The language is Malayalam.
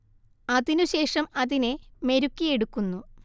അതിനു ശേഷം അതിനെ മെരുക്കിയെടുക്കുന്നു